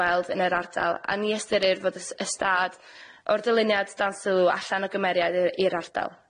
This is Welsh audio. gweld yn yr ardal a ni ystyrir fod y s- ystâd o'r dyluniad dan sylw allan o gymeriad i'r- i'r ardal.